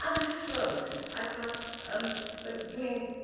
aruthrol ac ma' ym... B- dwi'n